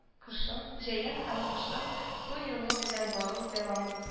Кышын җәен һәм кышын су юлы белән бару дәвамын